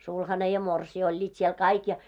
sulhanen ja morsian olivat siellä kaikki ja